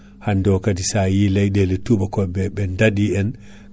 hande o kaadi sa yi leyɗele toubakoɓe ɓe daaɗi en